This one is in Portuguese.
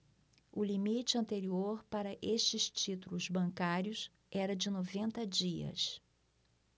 o limite anterior para estes títulos bancários era de noventa dias